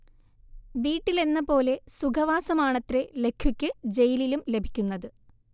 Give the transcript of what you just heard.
വീട്ടിലെന്ന പോലെ സുഖവാസമാണത്രെ ലഖ്വിക്ക് ജയിലിലും ലഭിക്കുന്നത്